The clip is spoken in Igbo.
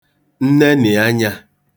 nnenị̀ anyā